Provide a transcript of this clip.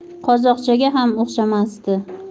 qozoqchaga ham o'xshamasdi